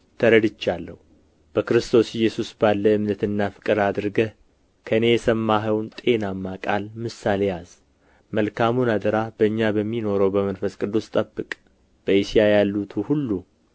ተረድቼአለሁ በክርስቶስ ኢየሱስ ባለ እምነትና ፍቅር አድርገህ ከእኔ የሰማኸውን ጤናማ ቃል ምሳሌ ያዝ መልካሙን አደራ በእኛ በሚኖረው በመንፈስ ቅዱስ ጠብቅ በእስያ ያሉቱ ሁሉ